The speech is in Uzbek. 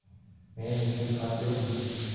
men uchun xat yo'qmi